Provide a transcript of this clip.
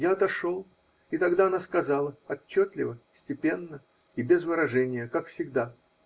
Я отошел, и тогда она сказала, отчетливо, степенно и без выражения, как всегда.